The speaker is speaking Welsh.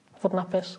Bod yn apus.